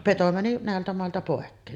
peto meni näiltä mailta pois